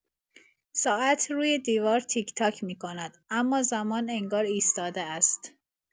ساعت روی دیوار تیک‌تاک می‌کند، اما زمان انگار ایستاده است.